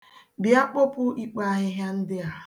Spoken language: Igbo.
Bịa, kpopu ikpo ahịhịa ndị a.